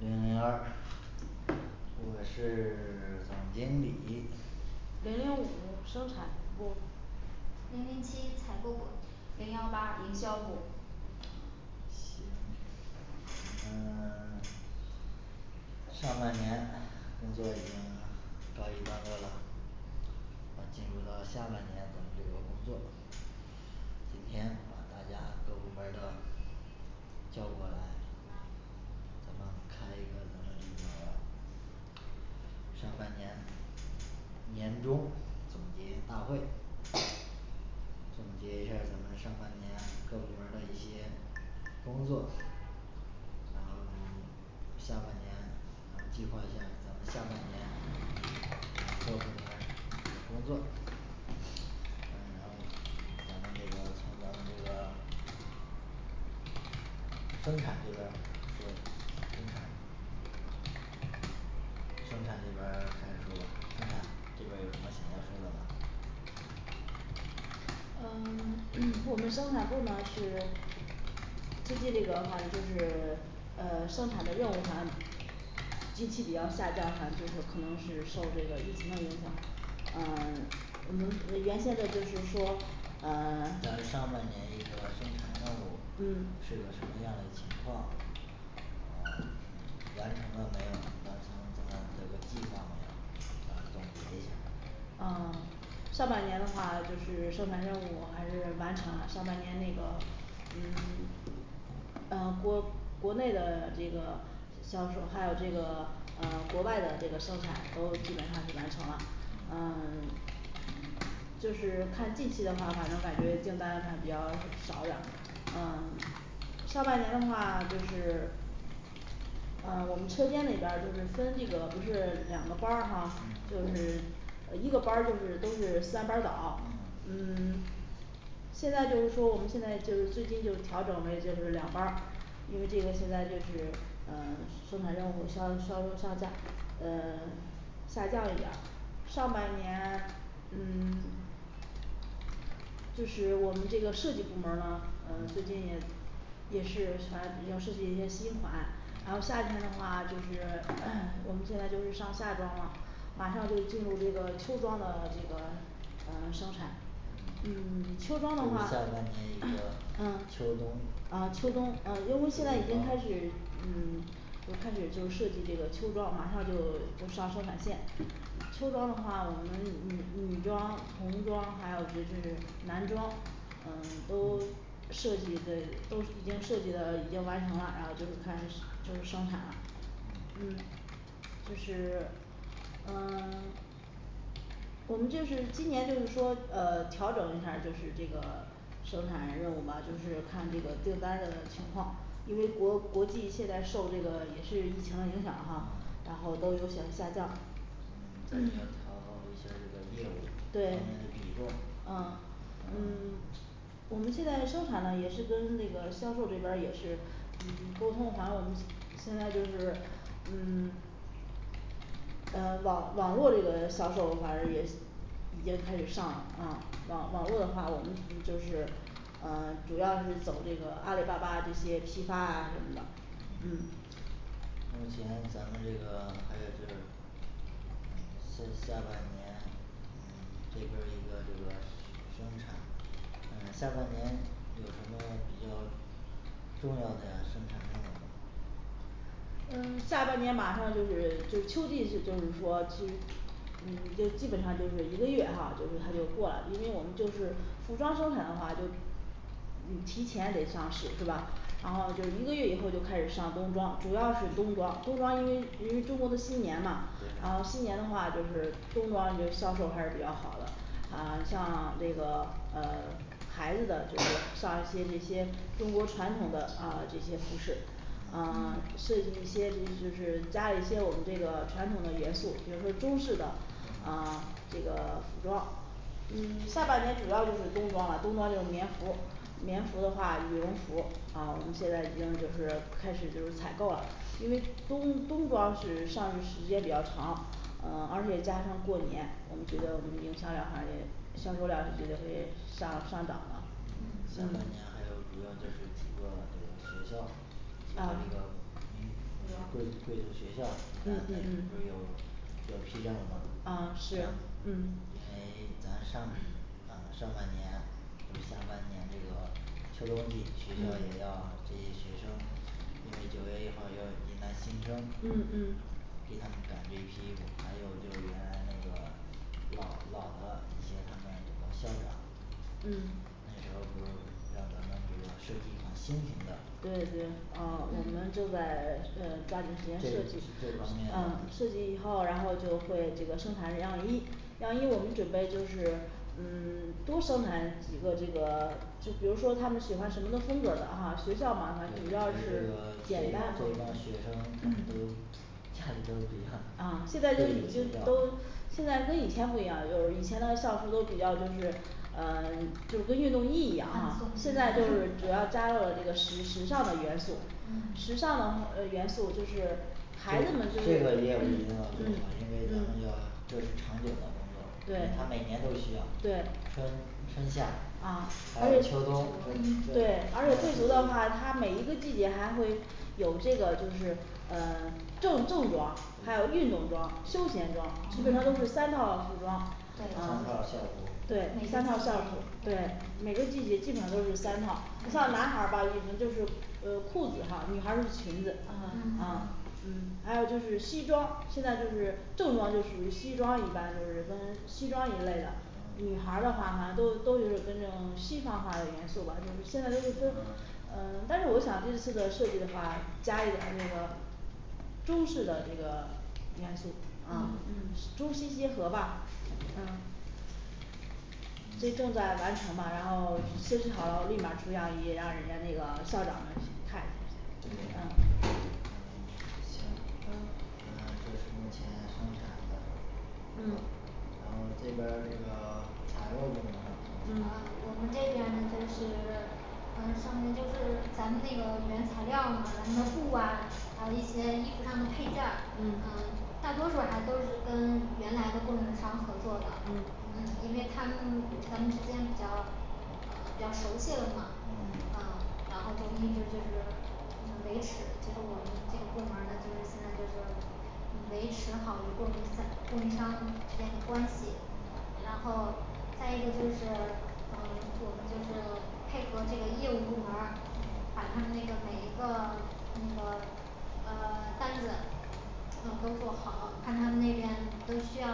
零零二我是 总经理零零五生产部零零七采购部零幺八营销部行咱们嗯 上半年工作已经告一段落了那进入到了下半年咱们这个工作今天把大家各部门儿都叫过来咱们开一个咱们这个上半年年中总结大会总结一下儿咱们上半年各部门儿的一些工作然后咱们下半年计划一下咱们下半年各部门儿的工作嗯咱们然后咱们这个从咱们这个嗯生产这边儿说生产生产这边儿先说生产这边儿有什么想要说的吗嗯 我们生产部呢是最近这个反正就是呃生产的任务还近期比较下降反正就是可能是受这个疫情的影响呃 我们原先的就是说呃 咱们上半年一个生产任务嗯是个什么样嘞情况呃完成了没有完成咱这个计划没有咱们总结一下儿哦 上半年的话就是生产任务还是完成了上半年那个嗯 当国国内的这个销售，还有这个呃国外的这个生产都基本上是完成了嗯 就是看近期的话，反正感觉订单还比较少点儿嗯上半年的话就是一个班儿就是都是三班儿倒嗯嗯 现在就是说我们现在就是最近就是调整为就是两班儿因为这个现在就是呃生产任务稍稍稍下降呃 下降一点儿上半年 嗯 就是我们这个设计部门儿嘛呃最近也也是反正有设计一些新款，然后夏天的话就是 我们现在就是上夏装嘛马上就进入这个秋装的这个呃生产嗯秋就是下半年装的话一个 秋啊，啊冬秋冬，啊因为现在已秋经开始装嗯 就开始就设计这个秋装，马上就就上生产线秋装的话我们女女女装童装还有就是男装嗯 都设计的都已经设计的已经完成了，然后就开始就是生产了嗯就是 嗯 我们就是今年就是说呃调整一下儿就是这个生产任务嘛就是看这个订单的情况因为国国际现在受这个也是疫情的影响哈，嗯然后都有所下降嗯咱们要调高一下儿那个业务这方面的对比重嗯嗯嗯 我们现在生产的也是跟那个销售这边儿也是嗯沟通反正我们现在就是嗯 嗯网网络这个销售反正也已经开始上了啊，网网络的话我们就是呃主要是走这个阿里巴巴这些批发啊什么的嗯目前咱们这个还有就是下下半年嗯 这边儿一个这个是生产呃下半年有什么比较重要的生产项目儿吗呃下半年马上就是就是秋季就就是说秋嗯对基本上就是这一个月哈就是他就过了，因为我们就是服装生产的话就嗯提前得上市对吧？然后就是一个月以后就开始上冬装主要是冬装冬装，因为因为中国的新年嘛对然后新年的话就是冬装就销售还是比较好的啊 像这个呃 啊 设计一些就是就是加一些我们这个传统的元素，比如说中式的嗯啊这个服装嗯下半年主要就是冬装了，冬装就是棉服儿棉服儿的话羽绒服儿啊我们现在已经就是开始就是采购了因为冬冬装是上市时间比较长呃而且加上过年我们觉得我们的营销量还得销售量必须也得上上涨了下半年嗯还有主要就是几个这个学校啊有这个贵贵族学校前嗯两嗯天不是有嗯有批任务吗啊是因嗯为咱上啊上半年不是下半年这个秋冬季学校也嗯要接些学生因为九月一号儿要迎来新生嗯嗯给他们赶这一批衣服，还有就是原来那个老老的一些他们这个校长嗯那时候儿不就让咱们这个设计一款新型的对对哦我们嗯正在嗯抓紧这时间设计这方面嗯设计以后，然后就会这个生产这样衣样衣，我们准备就是嗯 多生产几个，这个就比如说他们喜欢什么的风格的哈学校嘛，它主要是简单风格 都不一样啊现在都已经都现在跟以前不一样了，就是以前的校服儿都比较就是呃 就跟运动衣一样啊，现在就是主要加入了这个时时尚的元素，嗯时尚的呃元素就是孩这子们就是这个也有时嗯间了这个嗯因为咱们要嗯这是长久的工作，他对每年都需要对春春夏还有秋冬有这个就是呃正正装，还有对运动装、休闲装，基本上都是哦三套服装三套对儿校每个季节服儿嗯嗯嗯还有就是西装，现在就是正装就属于西装一般就是跟西装一类的女孩儿的话好像都都是跟这种西方化的元素吧就现在都是都呃但是我想这次的设计的话加一点儿这个中式的这个元素嗯啊嗯中西结合吧嗯所以嗯正在行完成吧，然后设计好立马儿出样衣，让人家那个校长那儿去看一下对嗯嗯行。然后这是目前生产的情况嗯嗯啊嗯上面就是咱们那个原材料儿呢，咱们的布啊还有一些衣服上的配件儿嗯嗯大多数儿还都是跟原来的供应商合作的，嗯嗯因为他们跟咱们之间比较比较熟悉了嘛嗯啊然后就一直就是维持好供应商供应商之间关系然后再一个就是呃我们就是配合这个业务部门儿把他们那个每一个那个呃 单子嗯都做好，看他们那边都需要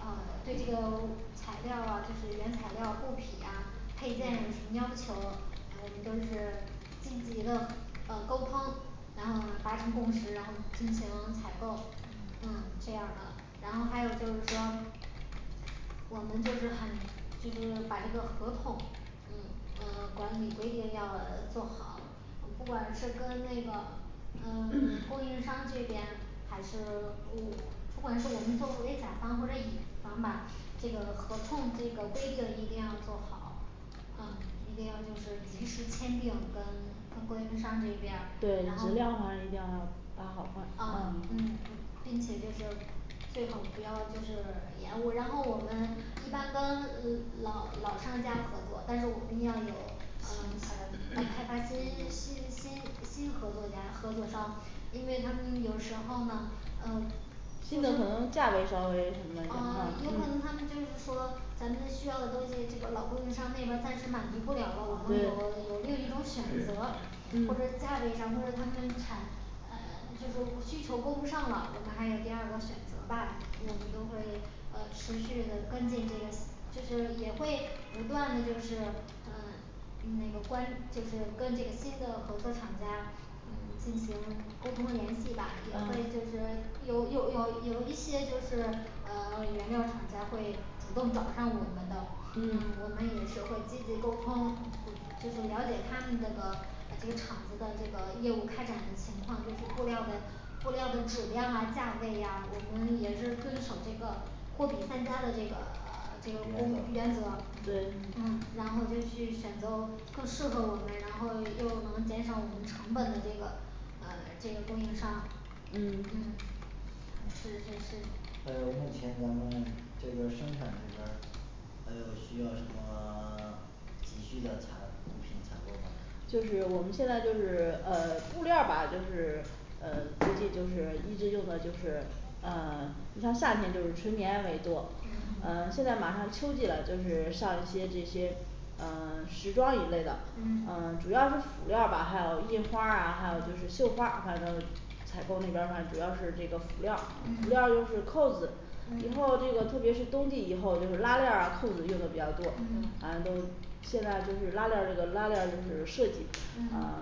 啊对这种材料儿啊、就是原材料儿、布匹呀配件有什么要求，然后我们都是积级的呃沟通嗯嗯嗯这样儿的然后还有就是说我们就是很就是把这个合同嗯呃管理规定要做好不管是跟那个嗯 供应商这边还是唔不管是我们作为甲方或者乙方吧这个合同这个规则一定要做好啊一定要就是及时签订跟跟供应商这边对儿，然后质量还是一定要把好关啊啊嗯并且就是最好不要就是延误，然后我们一般跟嗯老老商家合作，但是我们要有啊很开发新新新新合作家合作商因为他们有时候呢嗯啊有可能他们就是说咱们需要的东西，这个老供应商那边儿暂时满足不了，我们对有有另一种选择或者价位上或者他们产呃就是需求供不上了，我们还有第二个选择吧，我们都会呃持续的跟进这个，就是也会不断的就是呃嗯那个关就是跟这个新的合作厂家进行沟通联系吧，也会就嗯是有有有有一些就是呃原料厂家会主动找上我们的，嗯我们也是会积极沟通就是了解他们这个这个场子的这个业务开展的情况，就是布料的布料的质量啊价位呀我们也是遵守这个货比三家的这个 这个工原则原则对嗯然后就去选择更适合我们，然后又能减少我们成本的这个呃这个供应商嗯嗯是是是还有目前咱们呢这个生产这边儿还有需要什么 急需的采物品采购吗呃你像夏天就是纯棉为多，嗯嗯现嗯在马上秋季了，就是上一些这些呃 时装一类的嗯呃主要是辅料儿吧，还有印花儿啊，还有就是绣花儿反正采购那边儿反正主要是这个辅料儿辅料儿嗯就是扣子以嗯后这个特别是冬季以后就是拉链儿啊扣子用的比较多嗯反正都嗯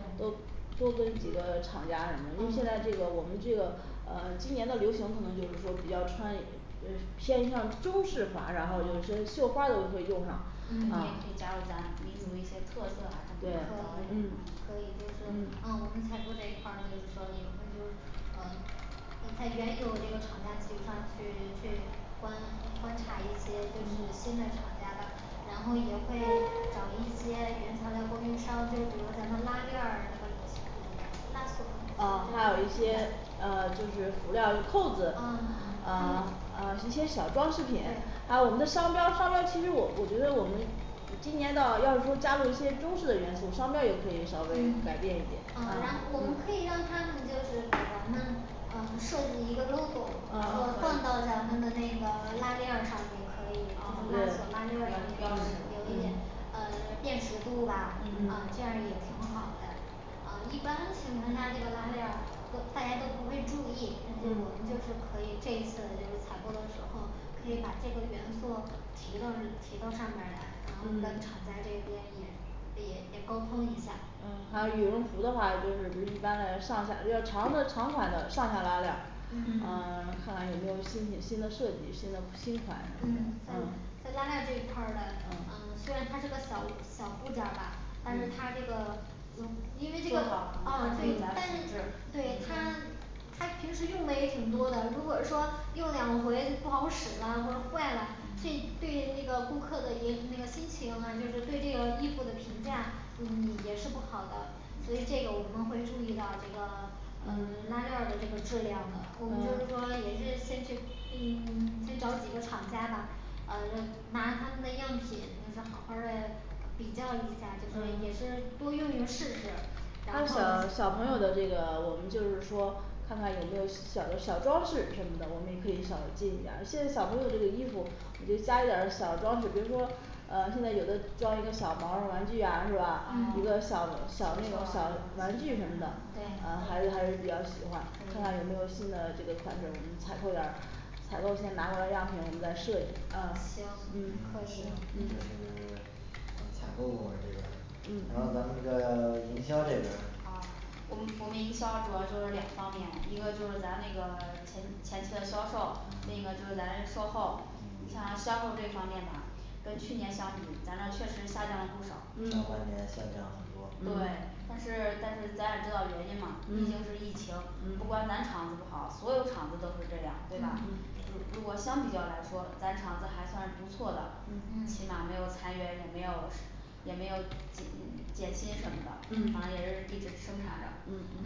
对多跟几个厂家什么，因为现在这个我嗯们这个呃今年的流行可能就是说比较穿呃偏向中式化，然后有一些绣花儿的会用上嗯可对以可以就是嗯嗯我们采购这一块儿就是说就是嗯你在原有这个厂家基础上去去观观察一些就是新的厂家吧然后也会找一些原材料供应商，就比如咱们拉链儿这个嗯还有一些呃就是辅料儿扣子，呃嗯啊一些小装饰品，对还有我们的商标商标其实我我觉得我们今年到要是说加入一些中式的元素，商标也可以稍微改嗯变一点啊然后我们可以嗯让他们就是给咱们啊可以啊对标标识嗯嗯啊一般下这个拉链儿都大家都不会注意，我们就嗯是可以这次就是采购的时候，可以把这个元素提到这儿提到上边儿来然后跟厂嗯家这边也也也沟通一下嗯还有羽绒服的话就是一般嘞上下要长的长款的上下拉链儿呃 嗯嗯看看有没有新品新的设计新的新款什么的嗯，在嗯在拉链儿这一块儿呢，嗯嗯虽然它是个小物小部件儿吧但是它嗯这个嗯因为这个啊对但是对它他平时用的也挺多的，如果说用两回不好使了或者坏了，这对那个顾客的影那个心情就是对这个衣服的评价嗯也是不好的所以这个我们会注意到这个 呃拉链儿的这个质量的我们就说也是先去嗯 先找几个厂家吧呃就拿他们的样品就是好儿好儿的比较一下，就是也嗯是多用用试试然他小后小朋友的这个我们就是说看看有没有小的小装饰什么的，我们也可以稍微借鉴一下，现在小朋友这个衣服你就加一点儿小装饰，比如说啊现在有的装一个小毛绒玩具呀是吧？一嗯个小啊小那种小玩具什么的，啊对孩子还是比较喜欢，看看有没有新的这个款式，我们采购点儿采购先拿过来样品，我们再设计啊啊行嗯嗯可行以这是 啊采购部门儿这边的嗯然后咱们这个营销这边儿好我我们营销主要就是两方面，一个就是咱那个前前期的销售另嗯一个就是咱售后你像嗯销售这方面吧跟去年相比，咱呢确实下降了不少上半年下降很，对多，但是但是咱也知道原因嘛？毕竟嗯是疫情，不光咱厂子不好，所有厂子都是这样对吧嗯如如果相比较来说，咱厂子还算是不错的嗯起嗯码没有裁员，也没有也没有进 减薪什么的，嗯反正也是一直生产着。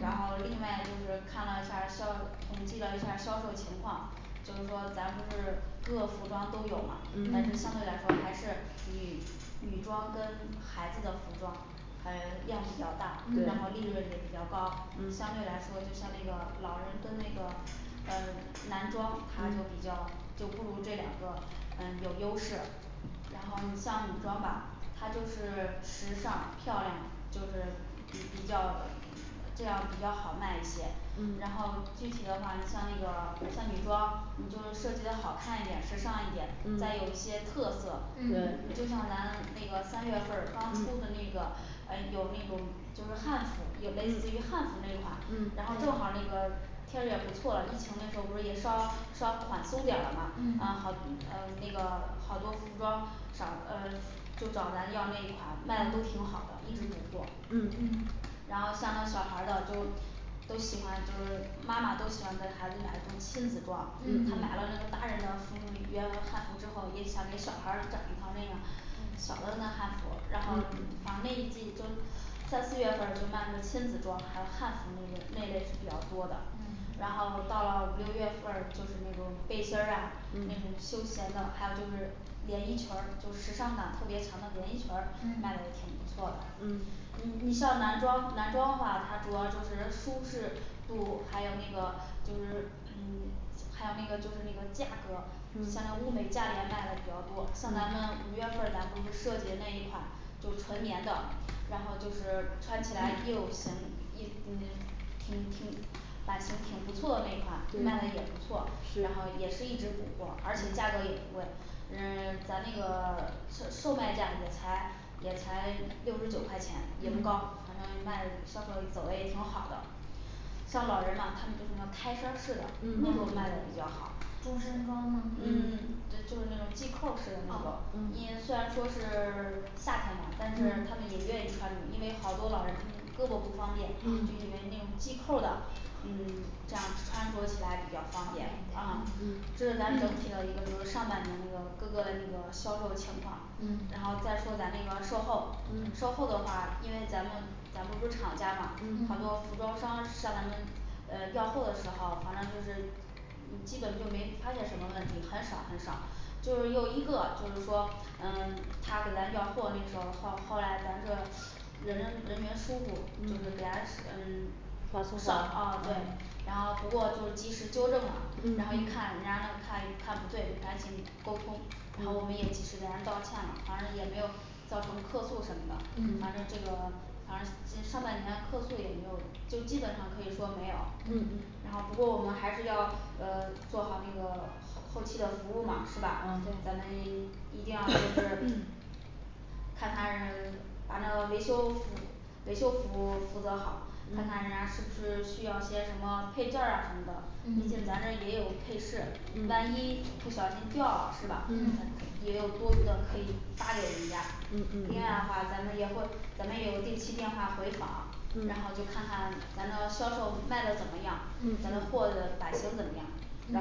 嗯然后另外就是看了一下儿销统计了一下销售情况就是说咱不是各个服装都有嘛，但是嗯相对嗯来说还是女女装跟孩子的服装嗯嗯嗯然后你像女装吧她就是时尚漂亮，就是比比较这样比较好卖一些，然嗯后具体的话你像那个像女装你就设计的好看一点，时尚一点，嗯再有一些特色，嗯就像那个咱三月份儿刚出嗯的那个啊有那种就是汉服，有类似于汉服那一款，嗯然后正对好那个天儿也不错了疫情那时候不是也稍稍宽松点儿了嘛，嗯嗯那个好多服装少呃就找咱要那一款卖的都嗯挺好的，一直补嗯货嗯嗯嗯然后像那小孩儿的就都喜欢都妈妈都喜欢给孩子买一种亲子装，她买了那个嗯嗯大人的服原汉服之后，也想给小孩儿整一套那样小了的汉服，然嗯后嗯反正那一季在四月份儿就卖了亲子装，还有汉服那类那类是比较多的。然嗯后到了五六月份儿就是那种背心儿啊那种嗯休闲的，还有就是连衣裙儿，就时尚感特别强的连衣裙儿卖的也嗯挺不错的嗯你你像男装男装的话，它主要就是舒适度，还有那个就是嗯还有那个就是那个价格儿，像那嗯物美价廉卖的比较多，像咱们嗯五月份儿咱们不是设计的那一款就纯棉的，然后就是穿起来又行，一嗯挺挺版型挺不错的那一款就卖的嗯也不错，然后是也是一直补货，而且价格也不贵呃咱那个 售售卖价也才也才六十九块钱也不嗯高，反正卖销售走的也挺好的像老人嘛他们就是说开衫儿式的，那种嗯卖的哦比较好中山装吗嗯对就是那种系扣儿式的那种哦，嗯你虽然说是 夏天嘛，但是他嗯们也愿意穿，因为好多老人胳膊不方便，就因为那种嗯系扣儿的嗯这样穿着起来比较方方便便，啊一点这是咱整体的一个这个上半年这个各个嘞这个销售情况。然嗯后再说咱那个售后嗯售后的话，因为咱们咱们不是厂家嘛，很嗯多服嗯装商上咱们呃要货的时候反正就是嗯基本就没发现什么问题，很少很少就是有一个就是说嗯他给咱要货那个时候儿，后后来咱就人人员疏忽就是给他嗯嗯发发错货啊对了嗯，然后不过就及时纠正了，然后一嗯看人家那儿看一看不对就赶紧沟通然后我们嗯也及时给他道歉了，反正也没有造成客诉什么的，嗯反正这个反正这上半年客诉也没有，就基本上可以说没有，嗯嗯然后不过我们还是要呃做好那个后期的服务嘛是吧？咱们嗯一定要对就是 看他人把这维修服维修服务负责好，看看人家是嗯不是需要些什么配件儿啊什么的毕竟嗯咱这儿也有配饰，万嗯一不小心掉了是吧？嗯嗯也有多余的可以发给人家，嗯另外嗯的话咱们也会咱们有定期电话回访然后就嗯看看咱的销售卖的怎么样咱的嗯货的版型怎么样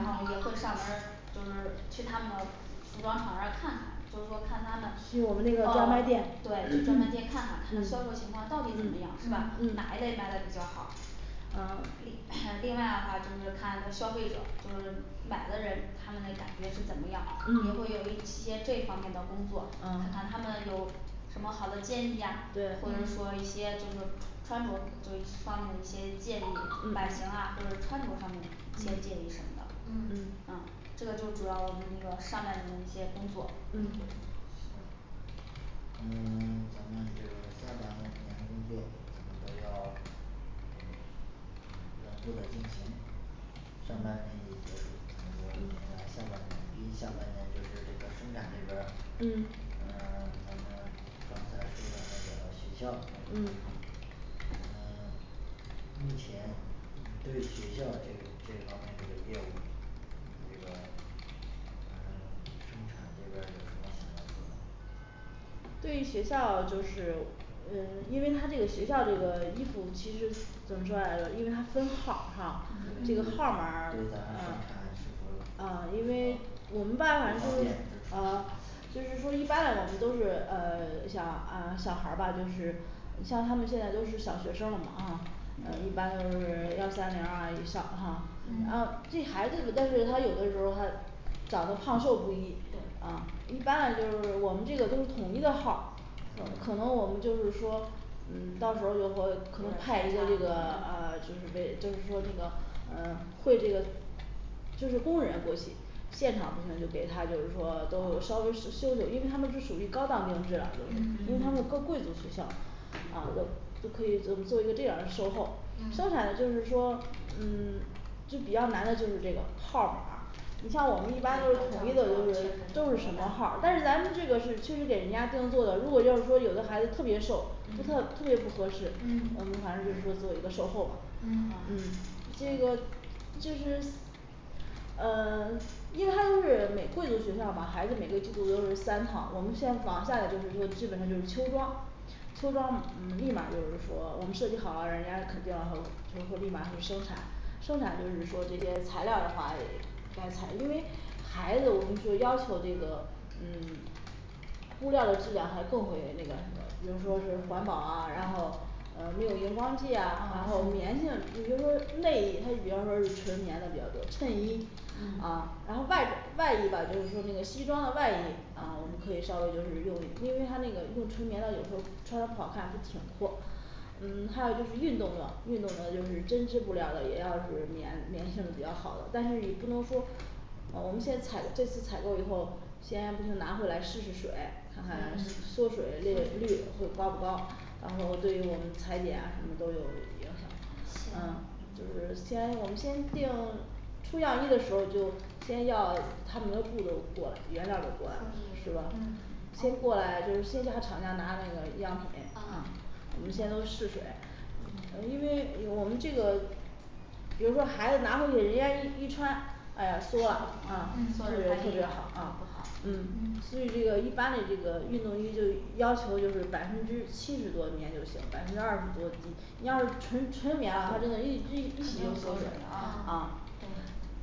然后也会上门儿就是去他们的服装厂那儿看看，就是说看他们对去专卖店看看看看销售嗯情况到底怎嗯么样是吧嗯？哪一类嗯卖的比较好。呃 另外的话就是看消费者就是买的人他们的感觉是怎么样，也会嗯有一些这方面的工作，看嗯看他们有什么好的建议呀，对或者嗯说一些就是穿着这方面的一些建议，版型嗯啊或者穿着上面一些建嗯议什么的嗯嗯嗯这个就主要我们那个上半年一些工作嗯行嗯 咱们这个下半年工作咱们都要上半年已结束下半年就是这个生产这边儿嗯嗯 咱们刚才说的那个学校我们嗯嗯 目前对学校这这方面的业务这个呃 生产这边儿有什么想要说的吗对于学校就是呃因为它那个学校这个衣服其实怎么说来着，因为它分号儿哈这嗯个号码嗯儿嗯嗯因为我们办法就是啊就是说一般来我们都是呃像呃小孩儿吧就是你像他们现在都是小学生了嘛啊呃一般都是幺三零儿啊以上哈，然后然后嗯这孩子，但是他有的时候他长得胖瘦不一，对啊一般来我们这个都是统一的号儿可能我们就是到时候就会可能派一个这个啊嗯就是这就是说这个呃会这个就是工人会去现场不行就给他，就是说都稍微是修修，因为他们是属于高档定制的因为他嗯嗯们各贵族学校啊都都可以做 做一个这样的售后，生嗯产的就是说嗯 就比较难的就是这个号儿码儿你像我们一般都是统一的就是都是什么号儿，但是咱们这个是确实给人家订做的，如果要是说有的孩子特别瘦嗯特别不合适嗯我们反正就是说做一个售后嘛嗯嗯好这个就是呃 因为它就是美贵族学校嘛孩子每个季度都是三套，我们现在绑架的就是说基本上就是秋装初装嗯立马儿就是说我们设计好，人家肯定要投就立马会生产生产就是说这些材料儿的话该拆因为孩子我们就是要求这个嗯 物料的质量还更会那个什么，比如说是环保啊，然后呃没有荧光剂呀，然后哦棉性比如说内衣，它比方说是纯棉的比较多衬衣啊嗯然后外外衣吧就是说那个西装的外衣啊我们可以稍微就是用，因为他那个用纯棉了以后穿的不好看不挺括嗯还有就是运动的，运动的就是针织布料儿的，也要是棉棉性的比较好的，但是你不能说呃我们现在采这次采购以后行就是嗯先我们先定出样儿衣的时候，就先要他们的布都过来，原料儿都过来是吧嗯先过来就是线下厂家拿那个样品嗯我们现在都试水因为我们这个比如说孩子拿回去，人家一一穿嗯嗯肯定缩水啊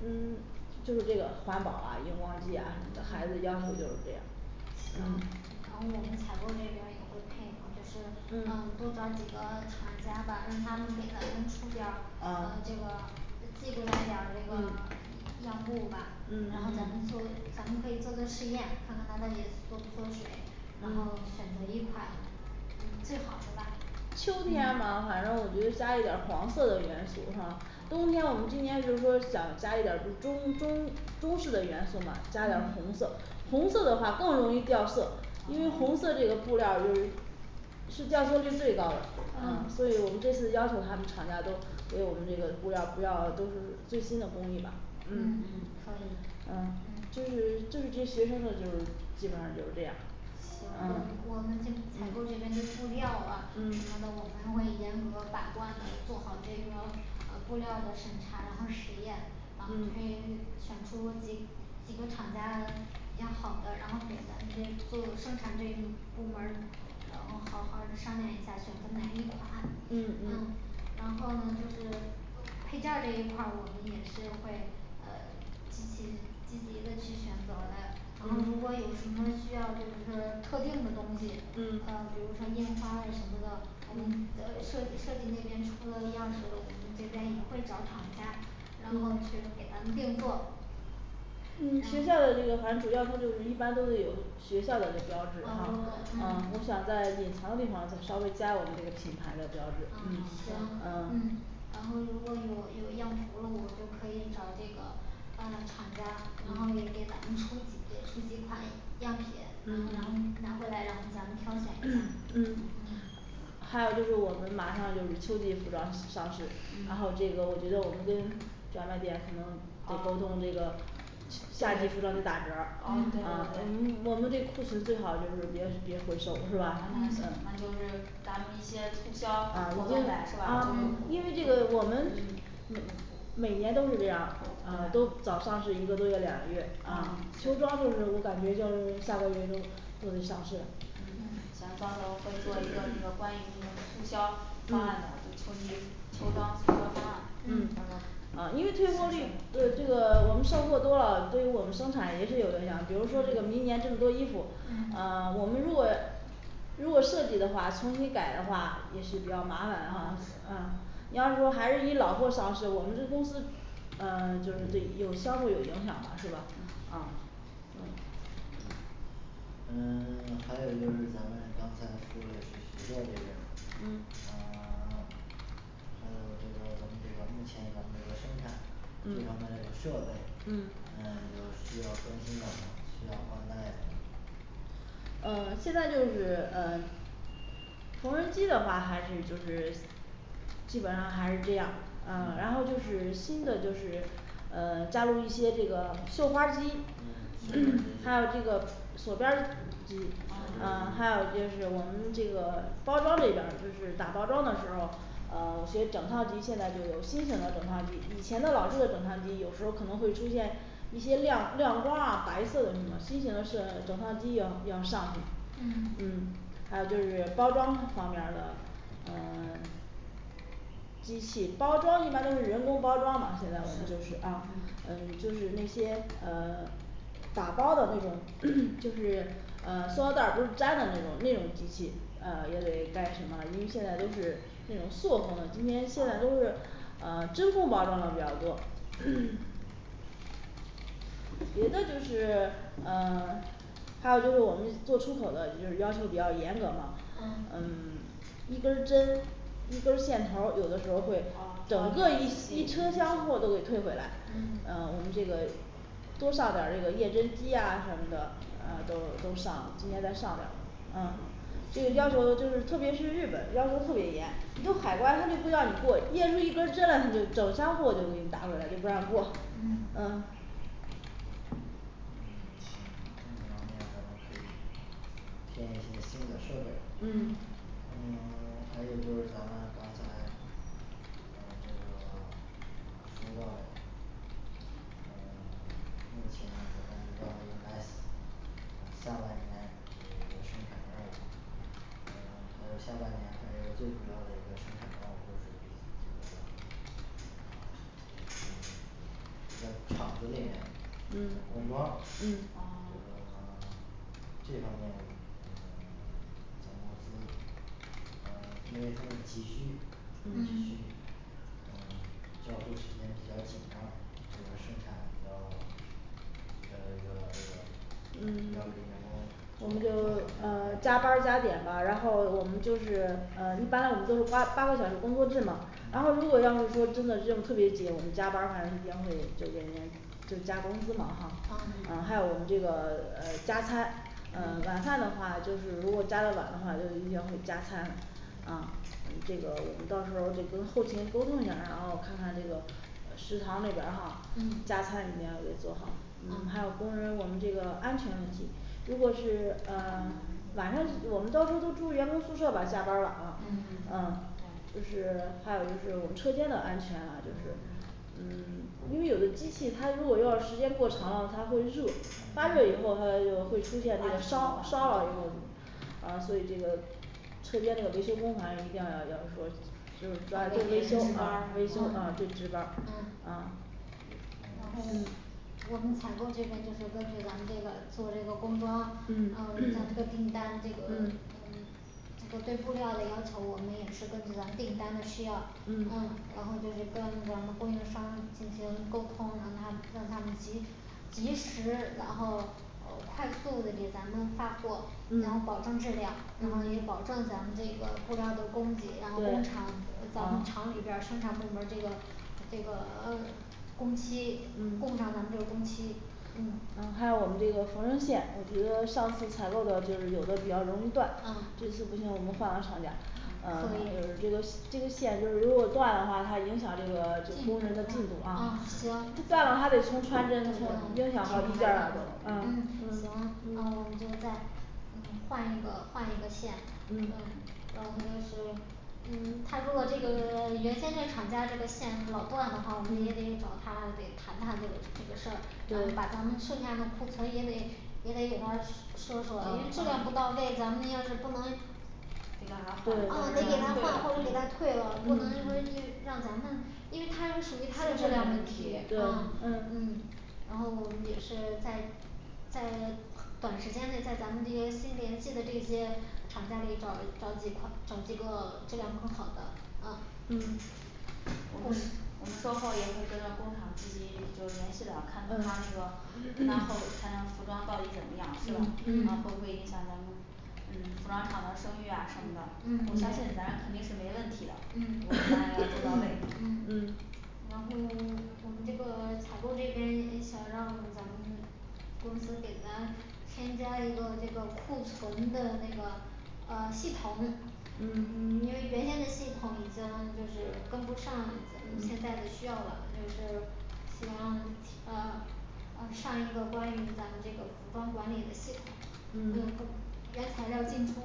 嗯 就是这个环保啊荧光剂呀什么的孩子要求嗯就是这样嗯行然后我们采购这边儿也会配合就是嗯嗯多找几个厂家吧，让他们给咱们出点儿啊这嗯个嗯嗯嗯然后嗯选择一款嗯最好和他秋天嘛，嗯反正我觉得加一点儿黄色的元素，哈冬天我们今年就是说想加一点儿中中中式的元素嘛，加一点儿红嗯色红色的话更容易掉色，因为红啊色这个布料儿就是是掉色率最高的，所嗯嗯以我们这次要求他们厂家都给我们这个布料儿不要，都是最新的工艺吧问你嗯可嗯以嗯就嗯是就是这些学生的就是基本上就是这样嗯嗯嗯几个厂家，比较好的，然后给咱们这做生产这一嗯部门儿，然后好好的商量一下选择哪一款嗯嗯然后呢就是配件儿这一块儿我们也是会呃 积极积极地去选择嘞然后如果有嗯什么需要就是特定的东西，呃嗯比如说印花的什么的，嗯呃设计设计那边出了样式的，我们这边也会找厂家然后去嗯给咱们定做嗯学校的这个反正主要他就是一般都是有学校的标志，嗯啊我 logo 啊想在隐藏的地方稍微加我们这个品牌的标志啊行啊嗯然后如果有有样图了，我就可以找这个嗯嗯嗯还有就是我们马上就是秋季服装上市，然后这个我嗯觉得我们跟专卖店可能得沟通啊这个下去就让他打折儿，啊我们我们这库存最好就是别别回收是吧？嗯那就是咱们一些促销啊活就动呗是吧？啊嗯因为这个我们嗯每年都是这样，啊都早上市一个多月两个月啊秋装就是，我感觉要是下个月都都得上市嗯行嗯到时候会做一个那个关于那个促销方案的嗯就秋季秋装促销方案，到时候嗯嗯啊因为退货率不是这个我们售货多了，对于我们生产也是有影响，比如说这个嗯明年这么多衣服，啊嗯我们如果如果设计的话重新改的话也是比较麻烦，啊啊是你要是说还是以老货上市我们这公司嗯 就是对有销售有影响的是吧嗯啊嗯嗯 还有就是咱们刚才说嘞是学校这边儿啊 嗯还有这个咱们这个目前咱们这个生产这方面的嗯设备嗯呃有需要更新的吗，需要换代的吗呃现在就是嗯缝纫机的话还是就是基本上还是这样，啊然嗯后就是新的就是嗯 加入一些这个绣花儿机嗯 绣还花有儿机这个锁边儿锁边机啊啊还有儿机就是我们这个包装这边儿就是打包装的时候儿呃所以整烫机现在就是新型的整烫机以前的老式的整烫机有时候可能会出现一些亮亮光儿啊白色的什么新型的摄整烫机要要上去嗯嗯嗯还有就是包装方面儿的呃 机器包装一般都是人工包装嘛现在我们就是，啊嗯就嗯是那些呃打包的那种 就是嗯塑料袋儿不是粘的那种那种机器，呃因为该什么，因为现在都是那种塑封的，今天现在啊都是啊真空包装的比较多 别的就是呃 还有我们做出口的也就是要求比较严格嘛嗯嗯一根儿针一根儿线头儿，有的时候会啊整个一一车厢货都给退回来嗯啊我们这个多上点儿这个验针机呀什么的呃都都上，今年再上点儿嗯这个要求就是特别是日本要求特别严，你到海关他就不让你过验出一根儿针来，他就整箱货就给你打回来就不让过嗯嗯嗯行这方面咱们可以嗯添一些新的设备嗯嗯还有还有就是咱刚才啊这个说到的呃 目前还下半年生产的呃还有下半年还有最主要的一个生产任务就是这个嗯这个厂子里面嗯工装儿嗯啊呃 这方面嗯总公司呃因为他们急需嗯嗯急需嗯 我们就啊加班儿加点吧，然后我们就是呃一般嘞我们都是八八个小时工作制嘛，然后如果要是说真的任务特别紧，我们加班儿反正一天会就给人家就加工资嘛哈，啊啊还嗯有我们这个呃加餐，呃晚嗯饭的话就是如果加的晚的话就一定会加餐啊这个我们到时候儿就跟后勤沟通一下儿，然后看看这个食堂那边儿哈嗯加餐一定也做好，嗯还有嗯工人我们这个安全问题如果是呃嗯晚上我们到时候都住员工宿舍吧下班儿晚了，嗯嗯对就是还有就是我们车间的安全反正就是嗯嗯 因为有的机器它如果要时间过长了，它会热发热以后它就会出现啊烧烧了以后，啊所以这个车间的维修工反正一定要要说嗯就维维修修值班儿啊啊对值班儿嗯啊然后我们采购这边就是根据咱们做这个工装嗯咱嗯这个订单这个嗯嗯这个对布料的要求，我们也是根据咱们订单的需要，嗯嗯然后就是跟咱们供应商进行沟通，让他们让他们及及时，然后快速的给咱们发货，然后保嗯证质量，然后也嗯保证咱们布料的供给，然后工对厂咱们厂嗯里边儿生产部门儿这个这个 工期嗯供上咱们这个工期嗯嗯还有我们这个缝纫线，我觉得上次采购的就是有的比较容易断，嗯这次不行我们换个厂家，呃可以就是这个线这个线就是如果断了话，它影响这个工人的进进度，度啊啊行断了的话，还得重穿针重什么影响好几件儿了都啊嗯行嗯嗯我们就再嗯换一个换一个线嗯嗯然后就是嗯 他如果这个 原先这个厂家这个线老断的话，我们也得嗯找他得谈谈这个这个事儿，然后把咱对们剩下的库存也得也得给他说说说，因为质量不到哦嗯位，咱们要是不能得对给得他换给对他然换或后者给他退了，不能说让咱们因为它是属于它的质量问题嗯对嗯嗯嗯然后我们也是在在很短时间内，在咱们这个新联系的这些厂家里找找几款，找几个质量更好的啊嗯我们我们售后也会跟着工厂积极有联系的看看他那嗯个，然后才能服装到底怎么样是吧嗯然后会嗯不会影响咱们嗯服装厂的声誉呀什么嗯的，我相信对咱肯定是没问题的，嗯 嗯然后我们这个采购这边想让咱们公司给咱添加一个这个库存的那个呃系统嗯 因为原先的系统已经就是跟不上现在的需要了就是希望啊呃上一个关于咱们这个服装管理的系统嗯嗯原材料儿进出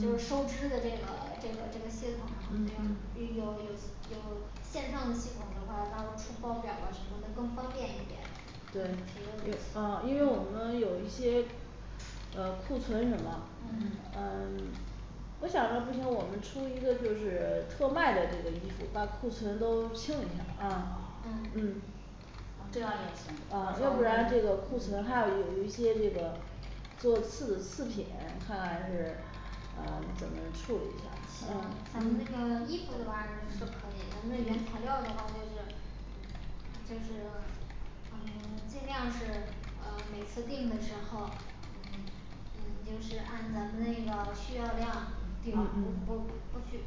就是嗯收支的这个这个这个系统，嗯然后嗯这个有有有线上系统的话，到时候出报表啊什么的更方便一点对，啊因为我们有一些呃库存什么嗯呃嗯 我想着不行，我们出一个就是特卖的这个衣服，把库存都清理啊嗯嗯嗯这样也行啊要不然这个库存还有有一些这个做次次品看还是嗯 怎么处理一下行呃咱们那嗯个衣服的话是可以，咱们原材料的话就是就是嗯 尽量是呃每次定的时候，嗯嗯嗯就是按咱们那个需要量定啊不不不去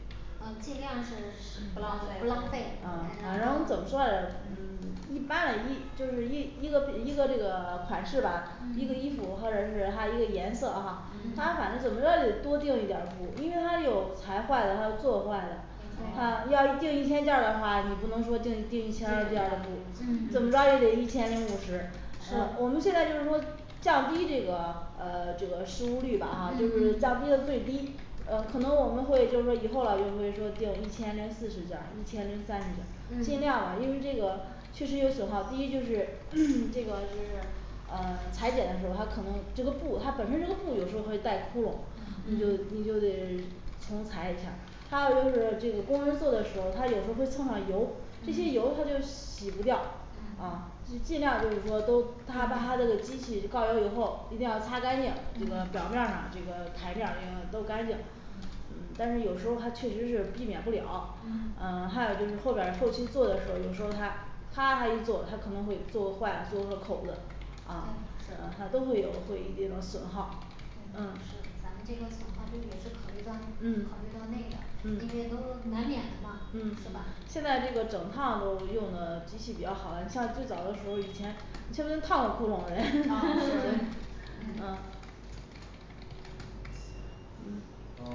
嗯尽量是是不不浪费浪费，嗯反然后正怎么说，嗯一般来一就是一一个一个这个款式吧一个衣服嗯或者是它一个颜色，啊它反正嗯嗯怎么着也得多订一点儿布，因为它有裁坏的。还有做坏的像对要是定一千件儿的话，你不能说定定一千件儿的布怎么着也得一千零五十我们现在就是说降低这个啊这个失误率吧啊就是嗯嗯降低的最低呃可能我们会就说以后了就会说定一千零四十件儿一千零三十尽量嗯吧因为这个确实有损耗，第一就是 这个就是呃 裁剪的时候它可能这个布它本身这个布有时候会带窟窿，嗯你就嗯你就得重裁一下儿还有就是这个工人做的时候，他有时候会蹭上油，这些嗯油他就洗不掉啊嗯，尽量就是说都他把他的机器告油以后一定要擦干净，这个嗯表面儿上这个台面儿另都干净但是有时候他确实是避免不了嗯呃还有就是后边儿后期做的时候，有时候他他来一做他可能会做坏做个口子，啊嗯是他都会有会有一定的损耗对嗯是咱们这个损耗率也是考虑到考虑嗯到内的，因为嗯都难免的嘛是嗯吧现在这个整烫都用的机器比较好了，像最早的时候以前全都烫过窟窿嘞嗯是 呃嗯嗯呃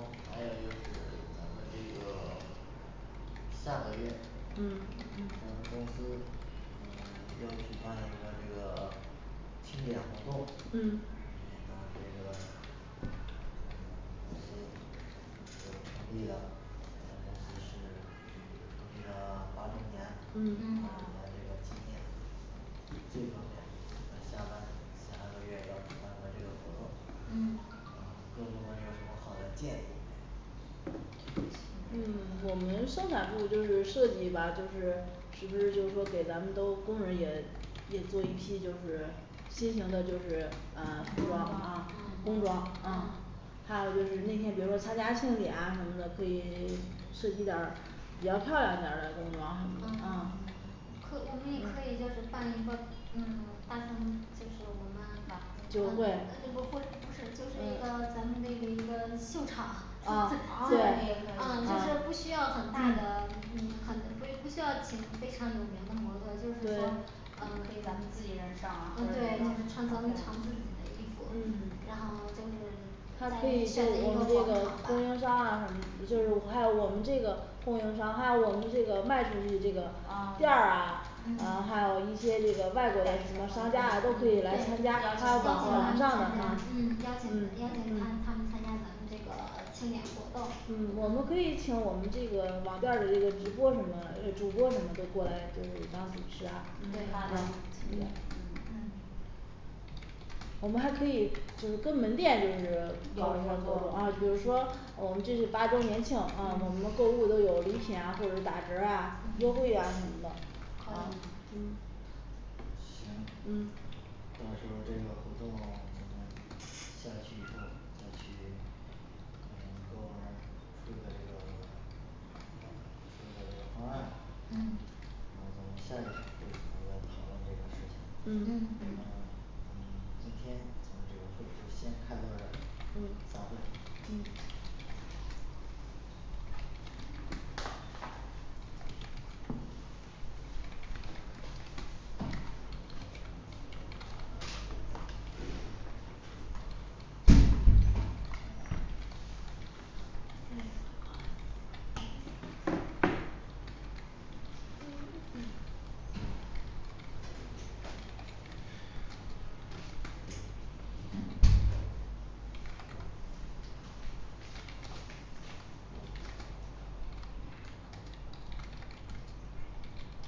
还有就是咱们这个下个月嗯咱们嗯公司嗯 要举办一个这个庆典活动嗯这个这个嗯嗯哦这方面咱下半下个月要举办个这个活动嗯呃各部门儿有什么好的建议没嗯我们生产部就是设计吧就是是不是就说给咱们都工人也也做一批就是新型的就是啊工装啊工装嗯工装啊还有就是那天比如说参加庆典啊什么的，可以 设计点儿比较漂亮一点儿的工装嗯嗯可我们也可以就是嗯办一个嗯办成就是我们，酒会会不是就是一个呃咱们的一个一个秀场啊啊对呃可以咱们自己人上啊或嗯者对就怎么是穿着咱们厂自己的衣服嗯然后就是再选择一个广场吧嗯对邀请他们嗯邀请他邀请他他们嗯参加咱们这个庆典活动我们可以请我们这个网店儿的这个直播什么呃主播什么都过来，就是当主持啊啊这个还有那对种请柬我们还可以就是跟门店就是有合合作作，啊比如说我们这是八周年庆，呃我们嗯购物都有礼品或者打折儿啊嗯优惠啊什么的啊可以嗯行嗯嗯各部门儿出个这个 出个这个方案嗯嗯嗯嗯散嗯会嗯